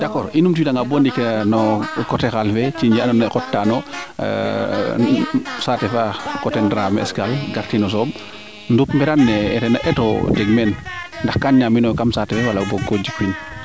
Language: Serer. d' accord i numtu wiida nga boo ndiik rek no coté xaal fe ke ando naye xot taano no saate faa coté Drame Scale gartino sooɓ ndop mberaan ne eet na jeg meen ndax kam ñaaminoyo kam saate fe wala boog ko jik win